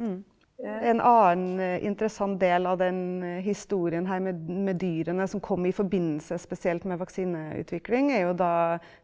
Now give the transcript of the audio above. ja en annen interessant del av den historien her med med dyrene som kom i forbindelse, spesielt med vaksineutvikling, er jo da